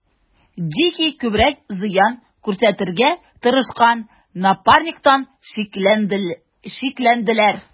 Дикий күбрәк зыян күрсәтергә тырышкан Напарниктан шикләнделәр.